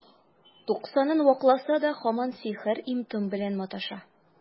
Туксанын вакласа да, һаман сихер, им-том белән маташа.